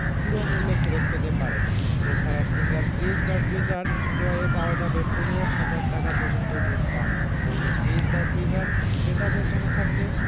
পুরো মূল্য ফেরত পেতে পারেন এ ছাড়া সিঙ্গার ফ্রিজ বা ফ্রিজার ক্রয়ে পাওয়া যাবে ১৫ ০০০ টাকা পর্যন্ত ডিসকাউন্ট সঙ্গে ফ্রিজ বা ফ্রিজার ক্রেতাদের জন্য থাকছে